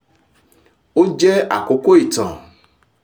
"Ó jẹ́ àkókò ìtàn."